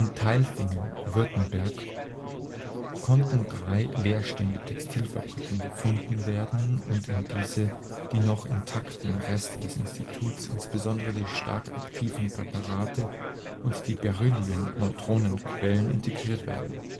Tailfingen (Württemberg) konnten drei leerstehende Textilfabriken gefunden werden und in diese die noch intakten Reste des Instituts, insbesondere die stark aktiven Präparate und die Beryllium-Neutronenquellen, integriert werden